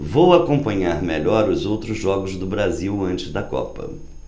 vou acompanhar melhor os outros jogos do brasil antes da copa